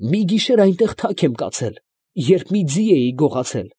Մի գիշեր այնտեղ թաք եմ կացել, երբ մի ձի էի գողացել։